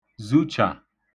zuchà